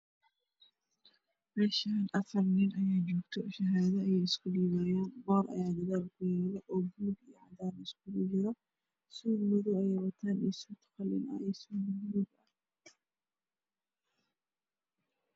Meshan afra nin ayaa jogto shahado ayeey isku dhiban boor aya gadan kuyalo oo baluug io cadan iskukujiro suud madow ah ayey watan io suud qalin ah